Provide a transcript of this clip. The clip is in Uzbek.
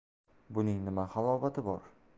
buning nima halovati bor